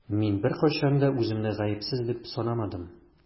Мин беркайчан да үземне гаепсез дип санамадым.